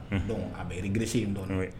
Dɔn a bɛ yiriri gilirisi in dɔn ye